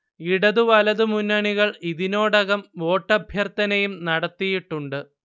ഇടത് വലത് മുന്നണികൾ ഇതിനോടകം വോട്ടഭ്യർത്ഥനയും നടത്തിയിട്ടുണ്ട്